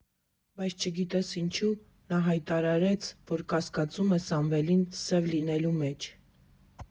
Բայց չգիտես ինչու՝ նա հայտարարեց, որ կասկածում է Սամվելին «սև» լինելու մեջ։